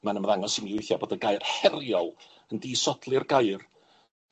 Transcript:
ma'n ymddangos i mi weithia' bod y gair heriol yn disodli'r gair